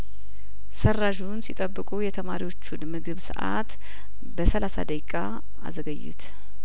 ሰራዡን ሲጠብቁ የተማሪዎቹን የምግብ ሰአት በሰላሳ ደቂቃ አዘገዩት